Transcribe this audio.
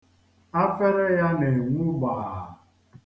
Afere ya na-enwu gbaa.